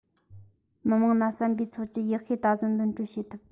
མི དམངས ལ བསམ པའི འཚོ བཅུད ཡག ཤོས ད གཟོད འདོན སྤྲོད བྱེད ཐུབ